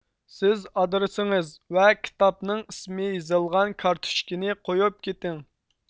سىز ئادرېسىڭىز ۋە كىتابنىڭ ئىسمى يېزىلغان كارتوچكىنى قويۇپ كېتىڭ